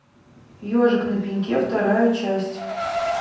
ежик на пеньке вторая часть